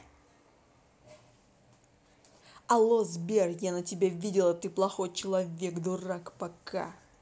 алло сбер я на тебя видела ты плохой человек дурак пока